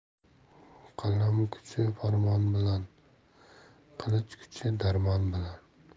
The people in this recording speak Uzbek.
qalam kuchi farmon bilan qilich kuchi darmon bilan